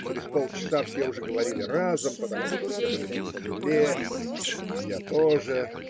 Через полчаса все уже говорили разом, потому что все были навеселе. И я тоже.